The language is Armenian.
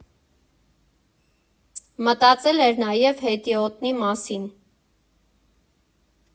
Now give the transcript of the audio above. Մտածել էր նաև հետիոտնի մասին.